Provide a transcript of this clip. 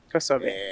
Kasa